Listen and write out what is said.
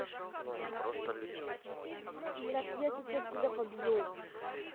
так я сейчас тебя побью